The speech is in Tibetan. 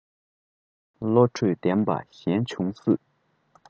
བློ གྲོས ལེགས པ གཞན འབྱུང སྲིད